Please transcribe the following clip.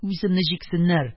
Үземне җиксеннәр,